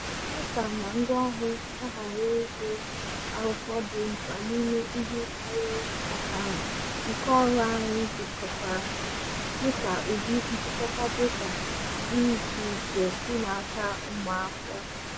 Nhụta data na ngwaọrụ ngagharị bụ akụkụ dị mkpa n'ime ihe karịrị ọkara nke ọrụ anyị dekọtara, dịka ụdị nchịkọta data dị icheiche si n'aka ụmụafọ.